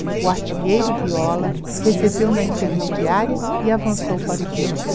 o artilheiro viola recebeu na intermediária e avançou para o gol